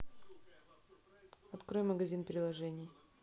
открой магазин приложений